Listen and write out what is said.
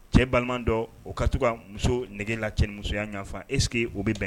Cɛ balima dɔ? o ka to ka muso nege la cɛmusoya yafan est ce que o bɛ bɛn?